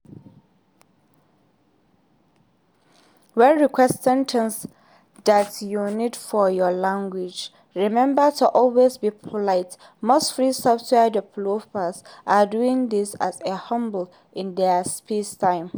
When requesting things that you need for your language, remember to always be polite — most free software developers are doing this as a hobby in their spare time.